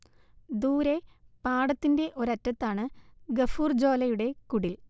ദൂരെ പാടത്തിന്റെ ഒരറ്റത്താണ് ഗഫൂർ ജോലയുടെ കുടിൽ